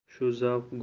shu zavq go'yo